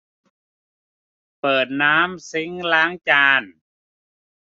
เปิดน้ำซิงค์ล้างจาน